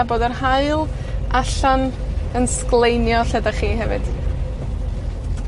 A bod yr haul allan yn sgleinio lle 'dach chi hefyd.